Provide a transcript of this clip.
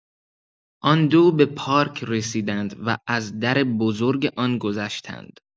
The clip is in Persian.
آن دو به پارک رسیدند و از در بزرگ آن گذشتند.